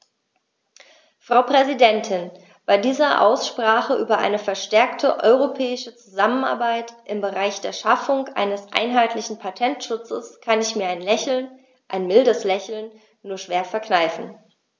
Frau Präsidentin, bei dieser Aussprache über eine verstärkte europäische Zusammenarbeit im Bereich der Schaffung eines einheitlichen Patentschutzes kann ich mir ein Lächeln - ein mildes Lächeln - nur schwer verkneifen.